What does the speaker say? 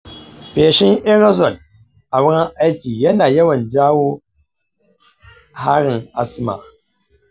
feshin aerosol a wurin aiki yana yawan jawo harin asma.